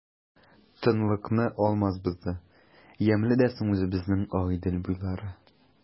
Тынлыкны Алмаз бозды:— Ямьле дә соң үзебезнең Агыйдел буйлары!